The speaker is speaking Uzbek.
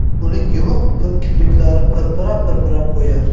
uning yumuq kipriklari pirpirab pirpirab qo'yar